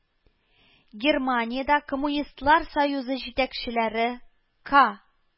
Германиядә Коммунистлар союзы җитәкчеләре Ка